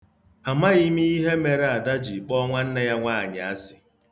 Amaghị m ihe mere Ada ji kpọ nwanne ya nwaanyị asị.